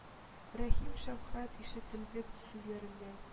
Рәхим, шәфкать ишетелде сүзләрендә.